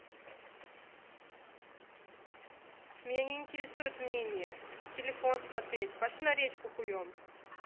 меня не интересует мнение телефон смотреть пошли на речку хуем